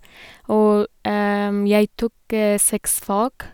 Og jeg tok seks fag.